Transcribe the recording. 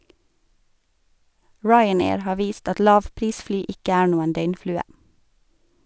Ryanair har vist at lavprisfly ikke er noen døgnflue.